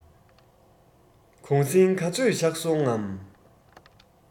གུང གསེང ག ཚོད བཞག སོང ངམ